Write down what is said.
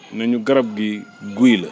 ne ñu garab gii guy la